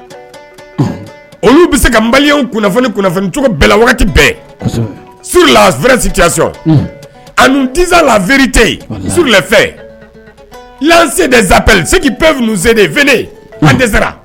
Olu bɛ se ka malien kunnafoni kunnafoni cogo bɛɛ, wagati bɛɛ, kosɛbɛ, sur la vraie situation, unhun, en nous disant la vérité, walayi, sur les faits, lancer des appels, ceux peuvent nous aider, venez an dɛsɛra, unhun